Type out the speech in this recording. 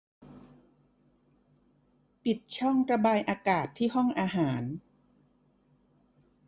ปิดช่องระบายอากาศที่ห้องอาหาร